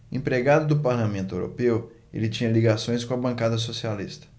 empregado do parlamento europeu ele tinha ligações com a bancada socialista